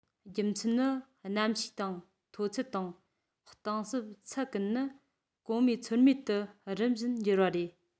རྒྱུ མཚན ནི གནམ གཤིས དང མཐོ ཚད དང གཏིང ཟབ ཚད ཀུན ནི གོ མེད ཚོར མེད དུ རིམ བཞིན འགྱུར བ རེད